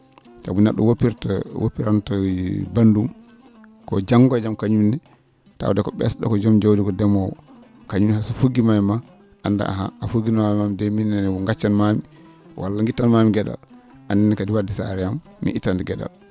sabu ne??o woppirta woppiranta banndum ko janngo e jam kañumne tawde ko ?es?o ko jom jawdi ko ndemoowo kañumne hayso fuggiima e ma annda ahan a fugginoma e am de miin enne ngaccanmami walla gittanmami ge?al annene kadi wadde so a arii e am mi ittante ge?al